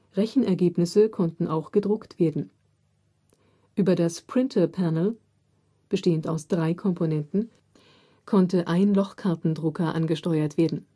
Rechenergebnisse konnten auch gedruckt werden: Über das Printer Panel (bestehend aus drei Komponenten) konnte ein Lochkartendrucker angesteuert werden